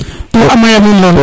to a maya men loo